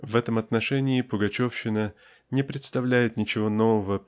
В этом отношении пугачевщина не представляет ничего нового